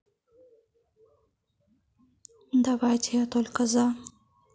давайте я только за